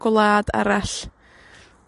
gwlad arall.